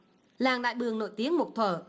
làng đại bường nổi tiếng một thuở